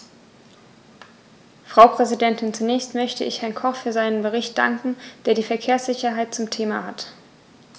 Frau Präsidentin, zunächst möchte ich Herrn Koch für seinen Bericht danken, der die Verkehrssicherheit zum Thema hat.